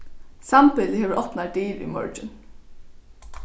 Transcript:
sambýlið hevur opnar dyr í morgin